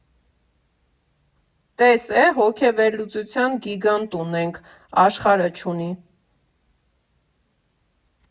֊ Տես է, հոգեվերլուծության գիգանտ ունենք, աշխարհը չունի…